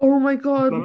Oh my god!